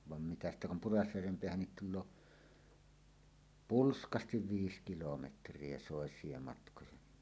vaan mitä sitä kun Purasjärven päähän tulee pulskasti viisi kilometriä soisia matkoja niin